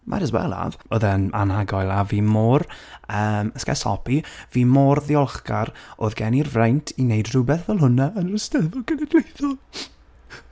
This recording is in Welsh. Might as well have, oedd e'n anhygoel a fi'n mor... yym let's get soppy... fi mor ddiolchgar oedd gen i'r fraint, i neud rywbeth fel hwnna, yn yr Eisteddfod Genedlaethol .